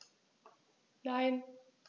Nein.